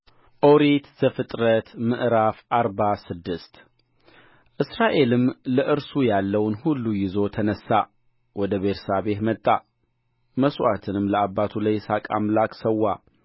ኦሪት ዘፍጥረት ምዕራፍ አርባ ስድስት እስራኤልም ለእርሱ ያለውን ሁሉ ይዞ ተነሣ ወደ ቤርሳቤህ መጣ መሥዋዕትንም ለአባቱ ለይስሐቅ አምላክ ሠዋ